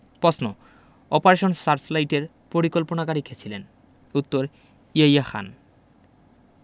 পশ্ন operation সার্চলাইটের পরিকল্পনাকারী কে ছিলেন উত্তর ইয়াইয়া খান